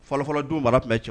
Fɔlɔfɔlɔdenw mara tun cɛ